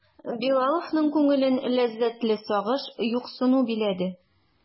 Билаловның күңелен ләззәтле сагыш, юксыну биләде.